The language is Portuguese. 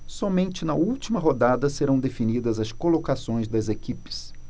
somente na última rodada serão definidas as colocações das equipes